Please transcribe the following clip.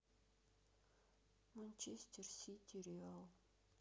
манчестер сити реал